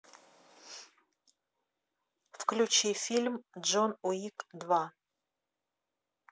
включи фильм джон уик два